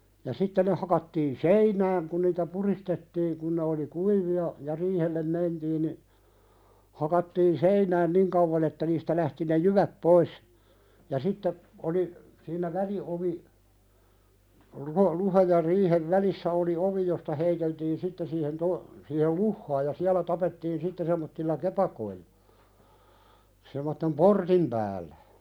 ja sitten ne hakattiin seinään kun niitä puristettiin kun ne oli kuivia ja riihelle mentiin niin hakattiin seinään niin kauan että niistä lähti ne jyvät pois ja sitten oli siinä väliovi luhta luhdan ja riihen välissä oli ovi josta heiteltiin sitten siihen - siihen luhtaan ja siellä tapettiin sitten semmoisilla kepakoilla semmoisen portin päälle